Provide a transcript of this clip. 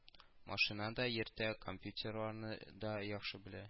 Машина да йөртә, компьютерны да яхшы белә